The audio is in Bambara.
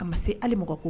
A ma se ali mako ko